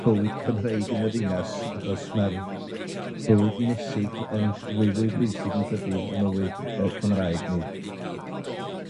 bywyd Cymreig yn y ddinas, achos ma'r fywyd dinesig yn fwy fwy bwysig yn tydi, yn mywyd yy Cymraeg ni.